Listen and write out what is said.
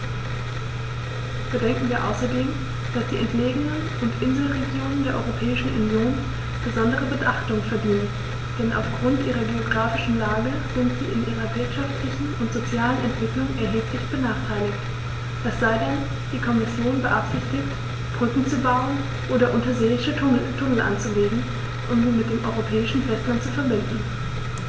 Bedenken wir außerdem, dass die entlegenen und Inselregionen der Europäischen Union besondere Beachtung verdienen, denn auf Grund ihrer geographischen Lage sind sie in ihrer wirtschaftlichen und sozialen Entwicklung erheblich benachteiligt - es sei denn, die Kommission beabsichtigt, Brücken zu bauen oder unterseeische Tunnel anzulegen, um sie mit dem europäischen Festland zu verbinden.